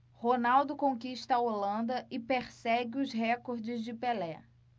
ronaldo conquista a holanda e persegue os recordes de pelé